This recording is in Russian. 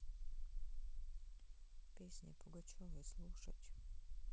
песни пугачевой слушать